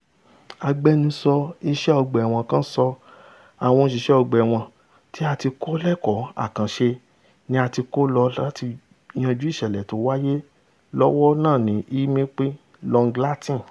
Agbẹnusọ Ìṣẹ́ Ọgbà-ẹ̀wọ̀n kan sọ: ''Àwọn òṣìṣẹ́ ọgbà-ẹ̀wọn tí a ti kọ́ lẹ́kọ̀ọ́ àkànṣ̵e ní a ti kó lọ láti yanjú ìṣẹ̀lẹ̀ tó ńwáyé lọ́wọ́ ní HMP Long Lartin.